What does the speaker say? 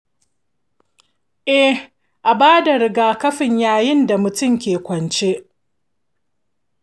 eh, a ba da rigakafi yayin da mutum ke kwance.